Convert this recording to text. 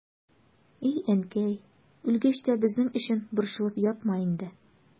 И әнкәй, үлгәч тә безнең өчен борчылып ятма инде.